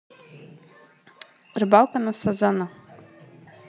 рыбалка на сазана